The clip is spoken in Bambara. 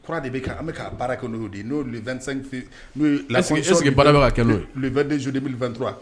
Kura de bi ka , an bi ka baara kɛ no de ye 25 fevri . Est-ce que baara bɛ la kɛ no ye?